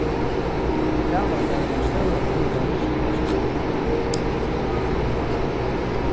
talan var um ein stóran eld á ruskplássinum